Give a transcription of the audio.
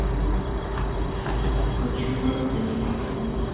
хочу как ты